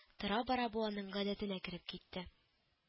Тора-бара бу аның гадәтенә кереп китте